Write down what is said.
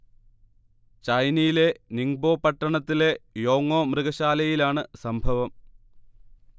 ചൈനയിലെ നിങ്ബോ പട്ടണത്തിലെ യോങോ മൃഗശാലയിലാണ് സംഭവം